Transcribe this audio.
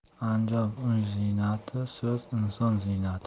anjom uy ziynati so'z inson ziynati